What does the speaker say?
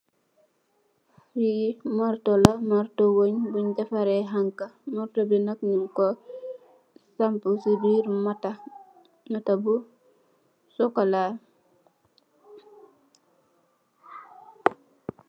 Lii marto la, marto wen buñ defaree, xanxa, marto bi nak, ñung ko, sampu si biir matta, matta bu sokolaa,